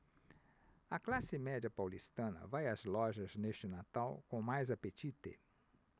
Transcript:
a classe média paulistana vai às lojas neste natal com mais apetite